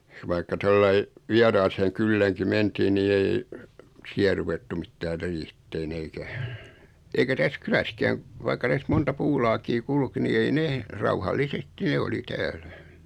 vaikka tuolla lailla vieraaseen kyläänkin mentiin niin ei siellä ruvettu mitään riihitsemään eikä eikä tässä kylässäkään vaikka tästä monta puulaakia kulki niin ei ne rauhallisesti ne oli täällä